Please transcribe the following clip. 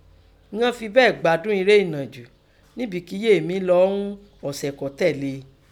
Inan fi bẹ́ẹ̀ gbádùn iré ẹ̀najú nígbì kí yèé mí lọ ún ọ̀sẹ̀ kọ́ tẹ̀ lé e.